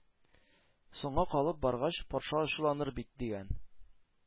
Соңга калып баргач, патша ачуланыр бит! — дигән.